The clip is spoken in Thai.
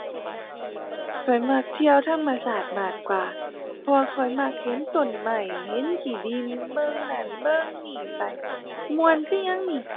ข้อยมักเที่ยวธรรมชาติมากกว่า เพราะว่าข้อยมักเห็นต้นไม้ เห็นขี้ดิน เบิ่งนั่นเบิ่งนี่ไปม่วนคือหยังนี่